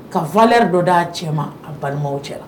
Kafalɛ dɔ d'a cɛ ma a balimaw cɛla la